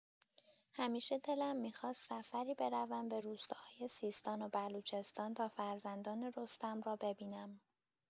همیشه دلم می‌خواست سفری بروم به روستاهای سیستان و بلوچستان، تا فرزندان رستم را ببینم.